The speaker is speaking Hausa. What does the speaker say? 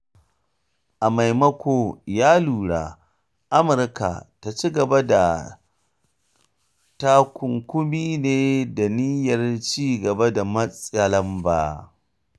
A maimaiko, ya lura, Amurka ta ci gaba da sa takunkumi ne da niyyar ci gaba da matsa lamba.